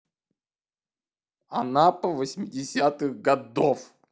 анапа восьмидесятых годов